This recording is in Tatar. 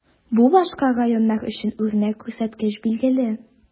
Бу башка районнар өчен үрнәк күрсәткеч, билгеле.